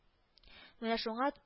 Менә шуңа